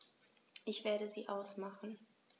Ich werde sie ausmachen.